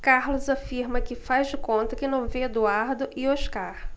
carlos afirma que faz de conta que não vê eduardo e oscar